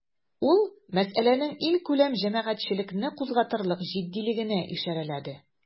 Ул мәсьәләнең илкүләм җәмәгатьчелекне кузгатырлык җитдилегенә ишарәләде.